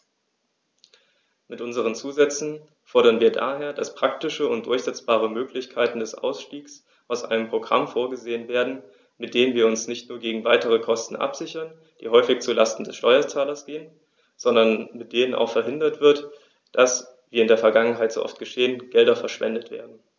Mit unseren Zusätzen fordern wir daher, dass praktische und durchsetzbare Möglichkeiten des Ausstiegs aus einem Programm vorgesehen werden, mit denen wir uns nicht nur gegen weitere Kosten absichern, die häufig zu Lasten des Steuerzahlers gehen, sondern mit denen auch verhindert wird, dass, wie in der Vergangenheit so oft geschehen, Gelder verschwendet werden.